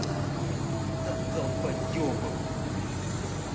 да долбоебы